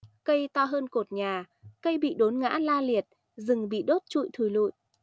cây to hơn cột nhà cây bị đốn ngã la liệt rừng bị đốt trụi thùi lụi